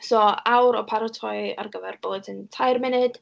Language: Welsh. So awr o paratoi ar gyfer bwletin tair munud.